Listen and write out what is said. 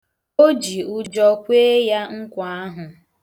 O ji ụjọ kwee ya nkwa ahụ.